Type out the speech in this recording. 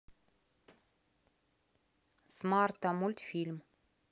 смарта мультфильм